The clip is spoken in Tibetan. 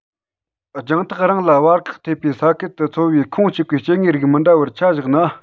རྒྱང ཐག རིང ལ བར བཀག ཐེབས པའི ས ཁུལ དུ འཚོ བའི ཁོངས གཅིག པའི སྐྱེ དངོས རིགས མི འདྲ བར ཆ བཞག ན